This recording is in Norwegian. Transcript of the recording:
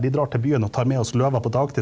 vi drar til byen og tar med oss løva på dagtid.